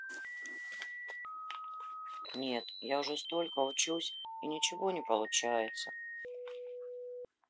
нет я уже столько учусь и ничего не получается